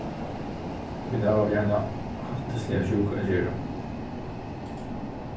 vit hava við eina hættisliga sjúku at gera